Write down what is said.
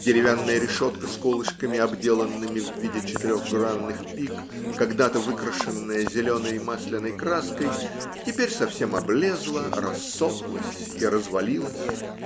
Деревянная решетка с колышками, обделанными в виде четырехгранных пик, когда-то выкрашенная зеленой масляной краской, теперь совсем облезла, рассохлась и развалилась